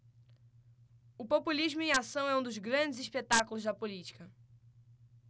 o populismo em ação é um dos grandes espetáculos da política